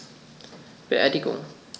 Beerdigung